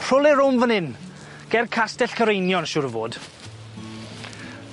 Rhwle rownd fyn 'yn, ger Castell Cyreinion siŵr o fod.